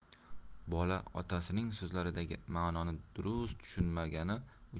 bola otasining so'zlaridagi manoni durust tushunmagani